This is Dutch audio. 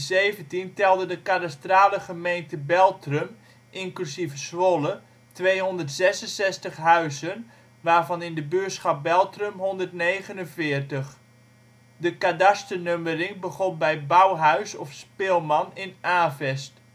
1817 telde de kadastrale gemeen­te Beltrum (inclusief Zwolle) 266 huizen (waarvan in de buur­schap Beltrum 149). De kadasternummering begon bij Bouwhuis of Spilman in Avest